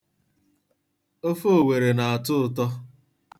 Ofe owere na-atọ ụtọ.